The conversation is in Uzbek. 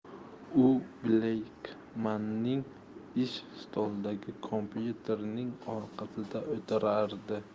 u bleykmanning ish stolidagi kompyuterning orqasida o'tirardi